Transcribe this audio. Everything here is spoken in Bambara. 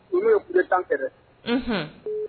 I ku tan kɛrɛfɛ